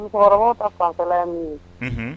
Kɔrɔ ka fakɔya min ye